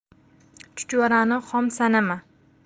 chuchvarani xom sanama